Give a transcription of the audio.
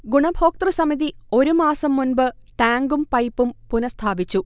ഗുണഭോക്തൃസമിതി ഒരുമാസം മുൻപ് ടാങ്കും പൈപ്പും പുനഃസ്ഥാപിച്ചു